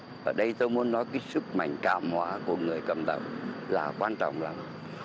ở đây tôi muốn nói tiếp sức mạnh cảm hóa của người cầm đầu là quan trọng lắm